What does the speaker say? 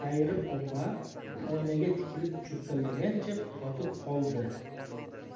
xayri opa oynaga tikilib cho'kkalagancha qotib qoldi